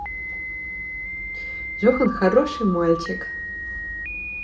johan хороший мальчик